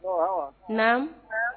Naamu